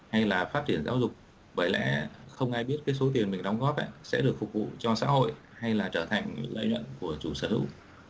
hay là phát triển giáo dục bởi lẽ không ai biết cái số tiền được đóng góp sẽ được phục vụ cho xã hội hay là trở thành lợi nhuận của chủ sở hữu